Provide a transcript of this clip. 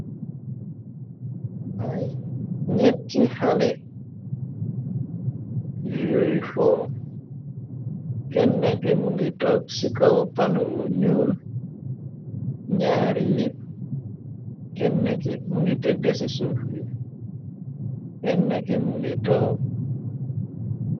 xaay ñetti xale yuy fo kennna ki mungi toog ci kaw panuwu ñuul ñaar yi kenna ki mu ngi tëdda ci suuf gi kennna ki mu ngi toog